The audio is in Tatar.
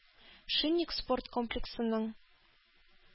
«шинник» спорт комплексының